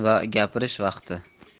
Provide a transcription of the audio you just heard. va gapirish vaqti